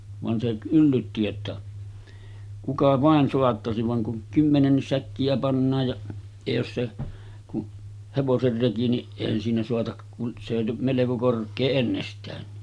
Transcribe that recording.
vaan se yllytti että kuka vain saattaisi vaan kun kymmenenkin säkkiä pannaan ja ja jos se kun hevosen reki niin eihän siinä saata kun se jo melko korkea ennestäänkin